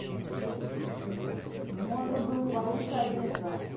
ну можно было получше одеться